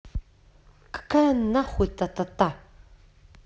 какая нахуй та та